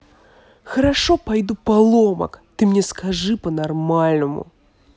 хорошо пойду поломок ты мне скажи по нормальному